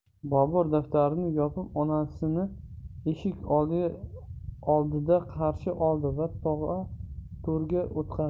bobur daftarini yopib onasini eshik oldida qarshi oldi va to'rga o'tqazdi